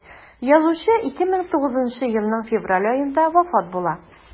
Язучы 2009 елның февраль аенда вафат була.